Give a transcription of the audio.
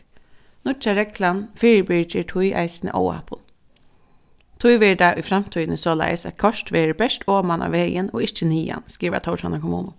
nýggja reglan fyribyrgir tí eisini óhappum tí verður tað í framtíðini soleiðis at koyrt verður bert oman á vegin og ikki niðan skrivar tórshavnar kommunu